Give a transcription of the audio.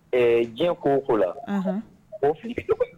Ɛɛ diɲɛ ko ko la,. Ɔnhɔn! O fili